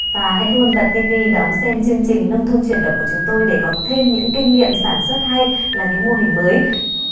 và hãy luôn bật ti vi đón xem chương trình nông thôn chuyển động của chúng tôi để có thêm những kinh nghiệm sản xuất hay là những mô hình mới